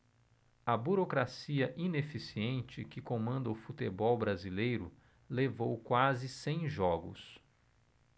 a burocracia ineficiente que comanda o futebol brasileiro levou quase cem jogos